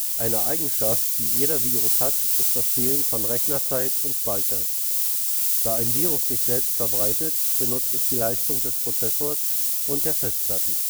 Eine Eigenschaft, die jeder Virus hat, ist das Stehlen von Rechnerzeit und - speicher. Da ein Virus sich selbst verbreitet, benutzt es die Leistung des Prozessors und der Festplatten